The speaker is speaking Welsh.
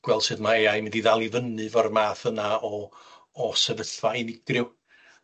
gweld sud ma Ay I mynd i ddal i fyny 'fo'r math yna o o sefyllfa unigryw.